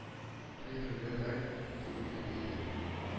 Хәерлерәк түгелме, дидем